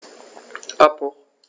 Abbruch.